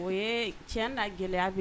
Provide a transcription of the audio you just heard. O ye cɛnna gɛlɛya be yen.